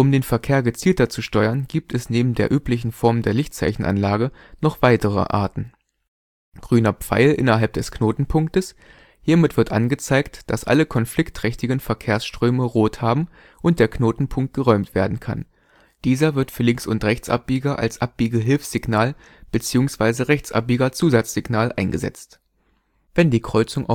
den Verkehr gezielter zu steuern, gibt es neben der üblichen Form der Lichtzeichenanlage noch weitere Arten: Grüner Pfeil innerhalb des Knotenpunktes: Hiermit wird angezeigt, dass alle konfliktträchtigen Verkehrsströme Rot haben und der Knotenpunkt geräumt werden kann; dieser wird für Links - und Rechtsabbieger als Abbiegehilfssignal bzw. Rechtsabbiegerzusatzsignal eingesetzt. Wenn die Kreuzung